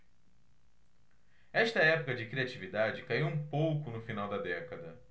esta época de criatividade caiu um pouco no final da década